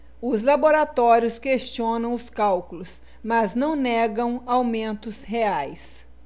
os laboratórios questionam os cálculos mas não negam aumentos reais